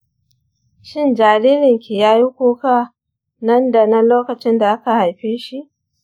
shin jaririnki ya yi kuka nan da nan lokacin da aka haife shi?